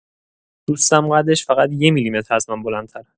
دوستم قدش فقط یه میلیمتر از من بلندتره.